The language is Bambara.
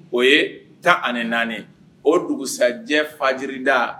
O ye 14 ye, o dugusajɛ fajirida